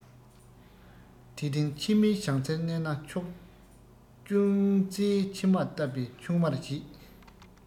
དེ སྟེང ཕྱི མའི གཞང ཚིལ བསྣན ན མཆོག ལྕུམ རྩའི ཕྱེ མ བཏབ པས ཆུང བར བྱེད